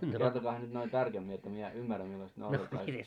kertokaahan nyt noin tarkemmin että minä ymmärrän millaiset ne olivat kaikki